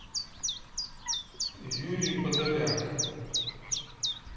юрий подоляка